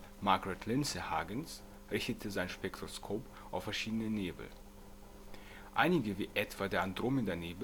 Lindsay Huggins) richtete sein Spektroskop auf verschiedene Nebel. Einige wie etwa der Andromedanebel